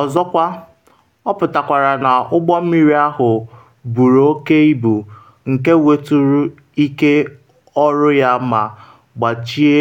Ọzọkwa, ọ pụtakwara na ụgbọ mmiri ahụ buru oke ibu nke weturu ike ọrụ ya ma gbachie